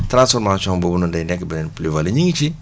transformation boobu noonu day nekk beneen prix valu ñu ngi ci